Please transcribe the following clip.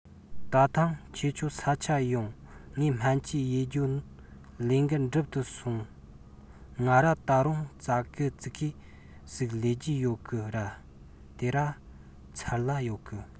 ད ཐེངས ཁྱེད ཆོ ས ཆ ཡོང ངས སྨན བཅོས ཡེད རྒྱུའོ ལས འགན འགྟུབ སོང ང ར ད རུང ཙ གེ ཙི གེ ཟིག ལས རྒྱུ ཡོད གི ར དེ ར ཚར ལ ཡོད གི